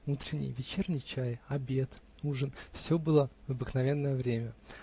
утренний, вечерний чай, обед, ужин -- все было в обыкновенное время